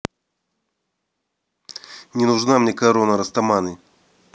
не нужна мне корона растаманы